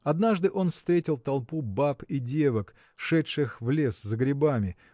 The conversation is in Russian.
Однажды он встретил толпу баб и девок шедших в лес за грибами